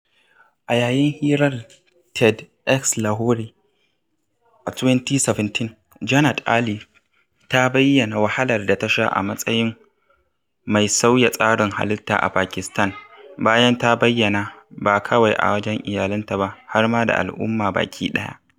A yayin hirar TEDxLahore a 2017, Jannat Ali ta bayyana wahalar da ta sha a matsayin mai sauya tsarin halitta a Pakistan bayan ta bayyana, ba kawai a wajen iyalinta ba, har ma da al'umma bakiɗaya.